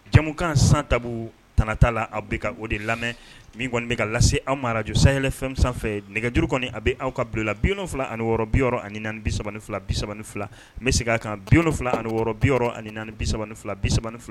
Jamumukan san ta tta la aw bɛ ka o de lamɛn min kɔni bɛ ka lase aw maraj sayɛlɛ fɛn sanfɛ nɛgɛjuru kɔni a bɛ aw ka bilala bi fila ani wɔɔrɔ bi ani bisa fila bi fila bɛ se k'a kan bifila ani wɔɔrɔ bi6 ani bisa fila bi fila